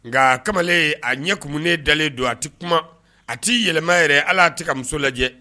Nka kamalen a ɲɛ kunen dalen don a tɛ kuma a t tɛi yɛlɛma yɛrɛ ala a tɛ ka muso lajɛ